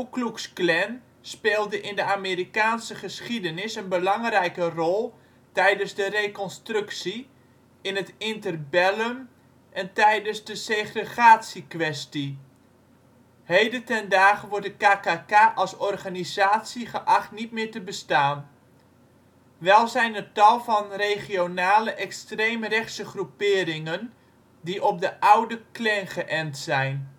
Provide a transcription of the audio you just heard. Klux Klan speelde in de Amerikaanse geschiedenis een belangrijke rol tijdens de Reconstructie, in het Interbellum en tijdens de Segregatiekwestie. Heden ten dage wordt de KKK als organisatie geacht niet meer te bestaan. Wel zijn er tal van regionale extreemrechtse groeperingen die op de oude Klan geënt zijn